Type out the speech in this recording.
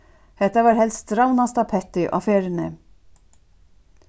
hetta var helst strævnasta pettið á ferðini